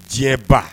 Tiɲɛba